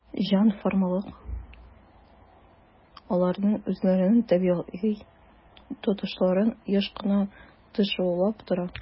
"җан-фәрманлык" аларның үзләрен табигый тотышларын еш кына тышаулап тора.